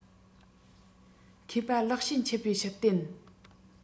མཁས པ ལེགས བཤད འཆད པའི ཞུ རྟེན